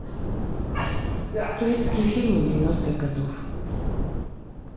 турецкие фильмы девяностых годов